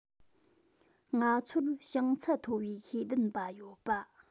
ང ཚོར བྱང ཚད མཐོ བའི ཤེས ལྡན པ ཡོད པ